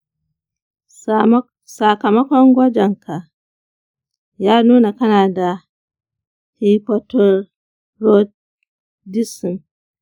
sakamakon gwajenka ya nuna kana da hypothyroidism